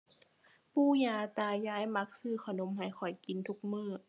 ปู่ย่า ตายาย มักซื้อขนมให้ข้อยกินทุกมื้อ